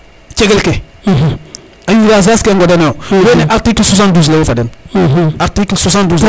cegel ke a yura saas ke a ŋodanoyo wene article soixane douze leyu fo den article soixane douze leyu fo den